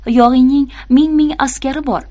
yog'iyning ming ming askari bor